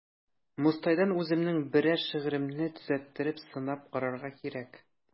Мостайдан үземнең берәр шигыремне төзәттереп сынап карарга кирәк.